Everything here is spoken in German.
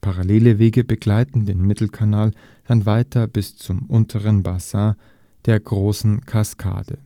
Parallele Wege begleiten den Mittelkanal dann weiter bis zum unteren Bassin der Großen Kaskade